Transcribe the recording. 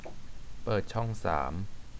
เปิดช่องสาม